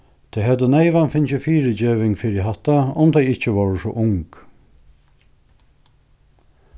tey høvdu neyvan fingið fyrigeving fyri hatta um tey ikki vóru so ung